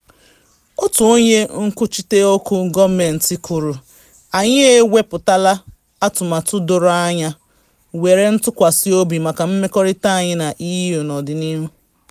Otu onye nkwuchite okwu gọọmentị kwuru: “Anyị eweputala atụmatụ doro anya were ntụkwasị obi maka mmekọrịta anyị na EU n’ọdịnihu.